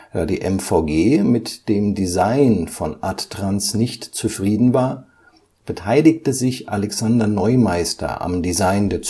Da die MVG mit dem Design von Adtranz nicht zufrieden war, beteiligte sich Alexander Neumeister am Design der